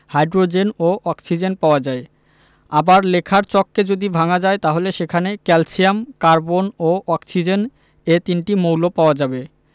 hydrogen ও oxygen পাওয়া যায় আবার লেখার চককে যদি ভাঙা যায় তাহলে সেখানে ক্যালসিয়াম কার্বন ও অক্সিজেন এ তিনটি মৌল পাওয়া যাবে